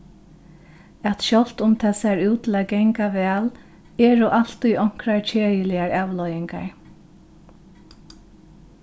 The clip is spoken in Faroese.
at sjálvt um tað sær út til at ganga væl eru altíð onkrar keðiligar avleiðingar